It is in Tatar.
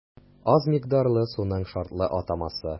Аз микъдарлы суның шартлы атамасы.